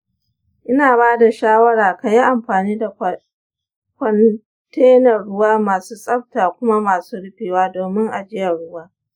ina ba da shawara ka yi amfani da kwantenan ruwa masu tsafta kuma masu rufewa domin ajiyar ruwa.